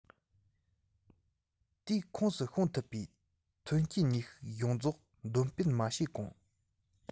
དེའི ཁོངས སུ ཤོང ཐུབ པའི ཐོན སྐྱེད ནུས ཤུགས ཡོངས རྫོགས འདོན སྤེལ མ བྱས གོང